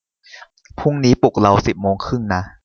พรุ่งนี้ปลุกเราสิบโมงครึ่งนะ